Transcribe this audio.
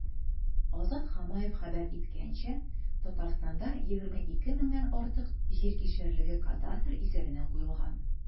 Азат Хамаев хәбәр иткәнчә, Татарстанда 22 меңнән артык җир кишәрлеге кадастр исәбенә куелган.